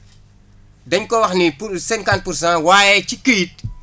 dañ ko wax nii pour cinquante pour cent waaye ci këyit